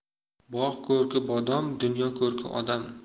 bog' ko'rki bodom dunyo ko'rki odam